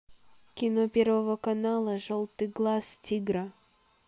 кино первого канала желтый глаз тигра